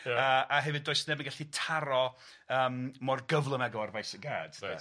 A a hefyd does neb yn gallu taro yym mor gyflym ag o ar faes y gad. Reit.